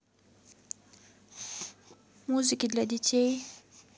музыки для детей